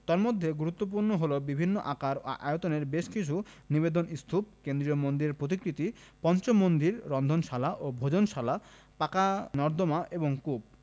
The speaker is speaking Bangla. তন্মধ্যে গুরুত্বপূর্ণ হলো বিভিন্ন আকার ও আয়তনের বেশ কিছু নিবেদন স্তূপ কেন্দ্রীয় মন্দিরের প্রতিকৃতি পঞ্চ মন্দির রন্ধনশালা ও ভোজনশালা পাকা নর্দমা এবং কূপ